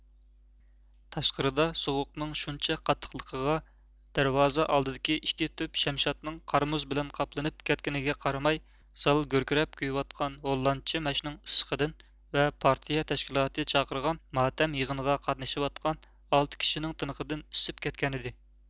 تاشقىرىدا سوغۇقنىڭ شۇنچە قاتتىقلىقىغا دەرۋازا ئالدىدىكى ئىككى تۈپ شەمشادنىڭ قار مۇز بىلەن قاپلىنىپ كەتكىنىگە قارىماي زال گۈركىرەپ كۆيۈۋاتقان ھوللاندچە مەشنىڭ ئىسسىقىدىن ۋە پارتىيە تەشكىلاتى چاقىرغان ماتەم يىغىنىغا قاتنىشىۋاتقان ئالتە كىشىنىڭ تىنىقىدىن ئىسسىپ كەتكەنىدى